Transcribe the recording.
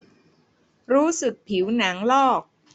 รู้สึกผิวหนังลอก